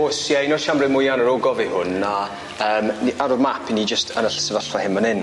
O's ie un o'r siambre mwya yn yr ogof yw hwn a yym ni ar y map 'yn ni jyst yn y ll- sefyllfa hyn man 'yn.